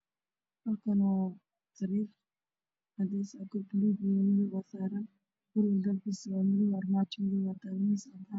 Halkaan waa sariir cadeys ah go buluug ah ayaa saaran guriga albaabkiisa waa madow, armaajo madow ayaa taalo iyo miis cadaan ah.